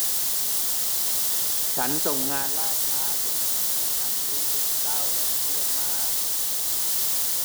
ฉันส่งงานล่าช้าจนทำให้ฉันรู้สึกเศร้าและเครียดมาก